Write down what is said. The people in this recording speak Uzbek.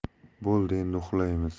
bo'ldi endi uxlaymiz